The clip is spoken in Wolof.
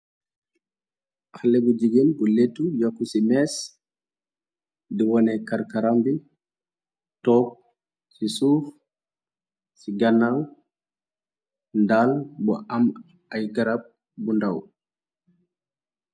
Xalé bu jigéen, bu léttu yokk ci mées, di wone karkaram bi, toop ci suuf, ci gannaaw, ndaal bu am ay garab bu ndaw.